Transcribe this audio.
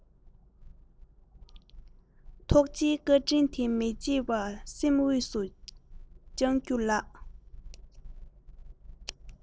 ཐུགས རྗེའི བཀའ དྲིན དེ མི བརྗེད སྙིང དབུས སུ བཅས རྒྱུ ལགས